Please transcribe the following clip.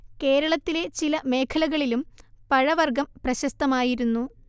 കേരളത്തിലെ ചില മേഖലകളിലും പഴവർഗ്ഗം പ്രശസ്തമായിരുന്നു